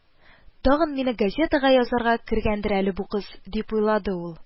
«тагын мине газетага язарга кергәндер әле бу кыз, дип уйлады ул